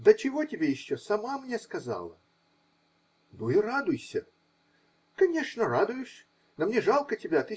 Да чего тебе еще, сама мне сказала. -- Ну, и радуйся. -- Конечно, радуюсь. Но мне жалко тебя.